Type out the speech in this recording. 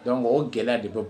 Dɔnku o gɛlɛya de bɛ